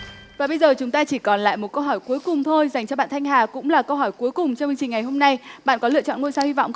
và bây giờ chúng ta chỉ còn lại một câu hỏi cuối cùng thôi dành cho bạn thanh hà cũng là câu hỏi cuối cùng trong chương trình ngày hôm nay bạn có lựa chọn ngôi sao hy vọng